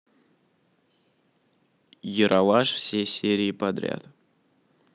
ералаш все серии подряд